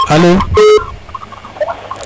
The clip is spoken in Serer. alo